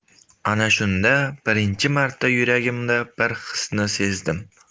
ana shunda birinchi marta yuragimda bir xisni sezdim